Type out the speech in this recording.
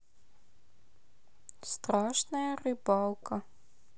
страшная рыбалка